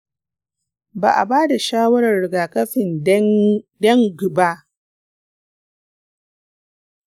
ba a ba da shawarar rigakafin dengue a najeriya.